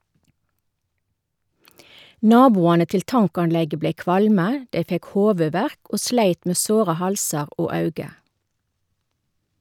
Naboane til tankanlegget blei kvalme, dei fekk hovudverk og sleit med såre halsar og auge.